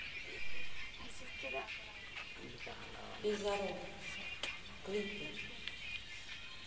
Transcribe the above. бизаро клипы